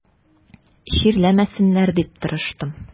Чирләмәсеннәр дип тырыштым.